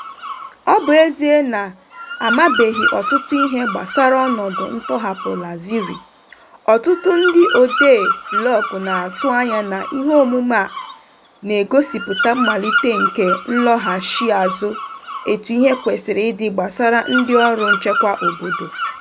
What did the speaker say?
Ọ bụ ezie na a mabeghị ọtụtụ ihe gbasara ọnọdụ ntọhapụ Razily, ọtụtụ ndị odee blọọgụ na-atụ anya na iheomume a na-egosịpụta mmalite nke nlọghachiazụ etu ihe kwesịrị ịdị gbasara ndịọrụ nchekwa obodo.